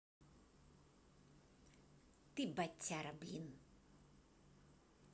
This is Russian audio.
ты ботяра блин